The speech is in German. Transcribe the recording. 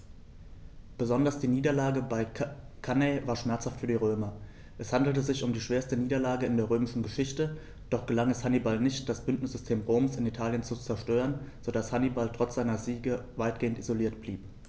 Besonders die Niederlage bei Cannae war schmerzhaft für die Römer: Es handelte sich um die schwerste Niederlage in der römischen Geschichte, doch gelang es Hannibal nicht, das Bündnissystem Roms in Italien zu zerstören, sodass Hannibal trotz seiner Siege weitgehend isoliert blieb.